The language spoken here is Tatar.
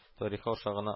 Тарихы аша гына